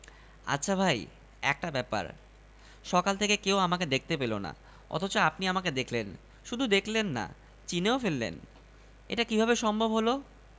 সমস্যা শুনে চিন্তায় পড়ে গেলেন সাইকিয়াট্রিস্ট আয়নায় নিজেকে দেখছেন না না কেউ আপনাকে দেখতে পাচ্ছে না আপনি ছাড়া কেউ আমাকে দেখতে পায়নি ছায়াও পড়ছে না না